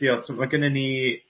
ydi o t'm' ma' gynnon ni